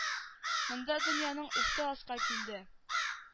Монда дөньяның өсте аска килде